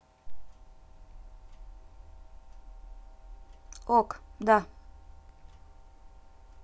ок да